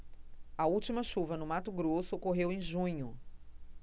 a última chuva no mato grosso ocorreu em junho